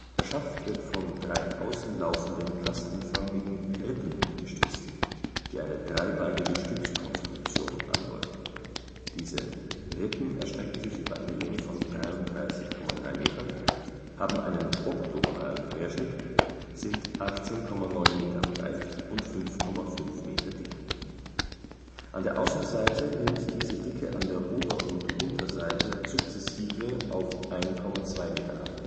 Der Schaft wird von drei außenlaufenden kastenförmigen „ Rippen “gestützt, die eine dreibeinige Stützkonstruktion andeuten. Diese Rippen erstrecken sich über eine Länge von 33,3 Metern, haben einen oktogonalen Querschnitt, sind 18,9 Meter breit und 5,5 Meter dick. An der Außenseite nimmt diese Dicke an der Ober - und Unterseite sukzessive auf 1,2 Meter ab